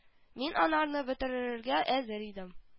Мин анарны бетеререгә әзер идем